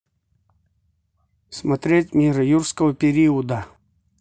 смотреть мир юрского периода